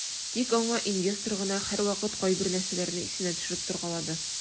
Тик аңа инвестор гына һәрвакыт кайбер нәрсәләрне исенә төшереп торгалады.